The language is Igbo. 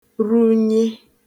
runye